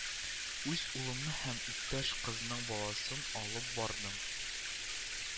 Үз улымны һәм иптәш кызның баласын алып бардым